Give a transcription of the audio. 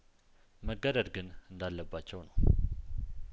መገደድ ግን እንዳለባቸው ነው